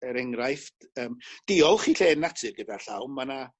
er enghraiff yym diolch i llên natur gyda llaw ma' 'na